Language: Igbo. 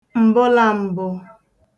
m̀bụlām̄bụ